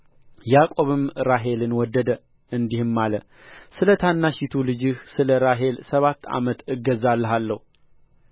ያዕቆብም ራሔልን ወደደ እንዲህም አለ ስለ ታናሺቱ ልጅህ ስለ ራሔል ሰባት ዓመት እገዛልሃለሁ